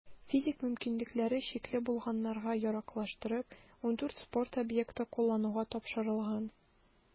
Физик мөмкинлекләре чикле булганнарга яраклаштырып, 14 спорт объекты куллануга тапшырылган.